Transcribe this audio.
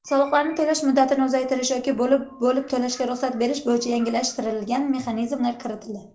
soliqlarni to'lash muddatini uzaytirish yoki bo'lib bo'lib to'lashga ruxsat berish bo'yicha yengillashtirilgan mexanizmlar kiritildi